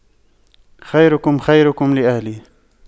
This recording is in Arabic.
خيركم خيركم لأهله